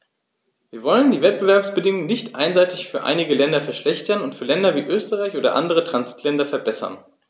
Wir wollen die Wettbewerbsbedingungen nicht einseitig für einige Länder verschlechtern und für Länder wie Österreich oder andere Transitländer verbessern.